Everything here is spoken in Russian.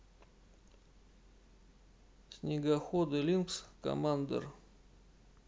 снегоходы линкс коммандер